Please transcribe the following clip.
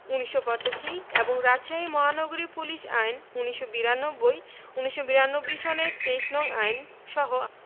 ১৯৮৫ এবং রাজশাহী মহানগরী পুলিশ আইন ১৯৯২ ১৯৯২ সনের ২৩ নং আইন সহ